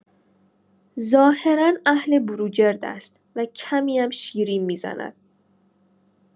ظاهرا اهل بروجرد است و کمی هم شیرین می‌زند.